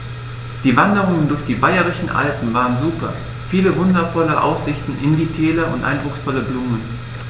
Die Wanderungen durch die Bayerischen Alpen waren super. Viele wundervolle Aussichten in die Täler und eindrucksvolle Blumen.